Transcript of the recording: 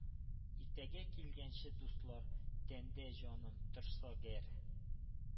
Иртәгә килгәнче дустлар, тәндә җаным торса гәр,